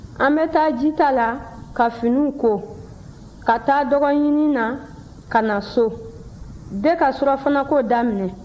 an bɛ taa jita la ka finiw ko ka taa dogoɲini na ka na so de ka surɔfanako daminɛ